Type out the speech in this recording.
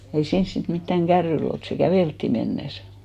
ei siinä sitten mitään kärryillä oltu se käveltiin mennessä